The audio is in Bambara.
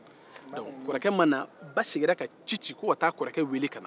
ba seginna ka ci bila ko ka taa kɔrɔkɛ weele ka na